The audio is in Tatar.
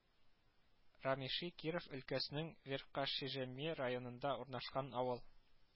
Рамеши Киров өлкәсенең Верхошижемье районында урнашкан авыл